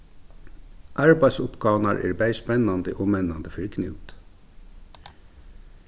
arbeiðsuppgávurnar eru bæði spennandi og mennandi fyri knút